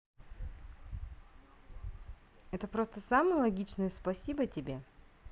это просто самый логичный спасибо тебе